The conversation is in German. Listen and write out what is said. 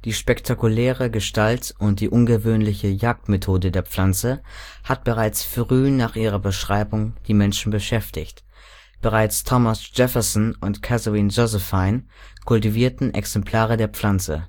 spektakuläre Gestalt und die ungewöhnliche Jagdmethode der Pflanze hat bereits früh nach ihrer Beschreibung die Menschen beschäftigt. Bereits Thomas Jefferson und Kaiserin Joséphine kultivierten Exemplare der Pflanze